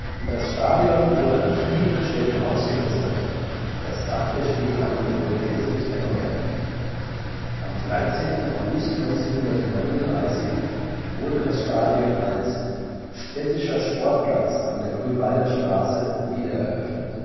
Das Stadion wurde an vielen Stellen ausgebessert, das Dach der Stehhalle wurde gänzlich erneuert. Am 13. August 1939 wurde das Stadion als Städtischer Sportplatz an der Grünwalder Straße wiedereröffnet